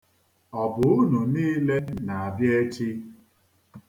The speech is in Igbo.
Ọ bụ unu niile na-abịa echi?